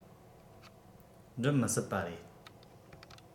འགྲུབ མི སྲིད པ རེད